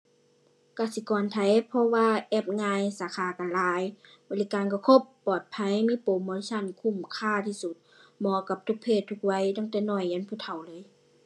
กสิกรไทยเพราะว่าแอปง่ายสาขาก็หลาย บริการก็ครบปลอดภัยมีโปรโมชันคุ้มค่าที่สุด เหมาะกับทุกเพศทุกวัยตั้งแต่น้อยยันผู้เฒ่าเลย